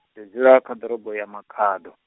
ndi dzula kha ḓorobo ya Makhado.